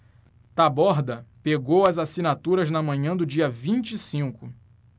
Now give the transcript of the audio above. taborda pegou as assinaturas na manhã do dia vinte e cinco